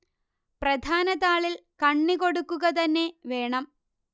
പ്രധാന താളിൽ കണ്ണി കൊടുക്കുക തന്നെ വേണം